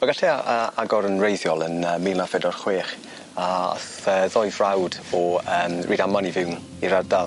yy agor yn wreiddiol yn yy mil naw phedwar chwech a ath yy ddoi frawd o yym Rydaman i fiwn i'r ardal.